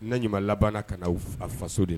N' ɲuman laban ka na a faso de